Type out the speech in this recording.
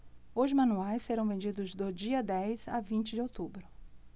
os manuais serão vendidos do dia dez a vinte de outubro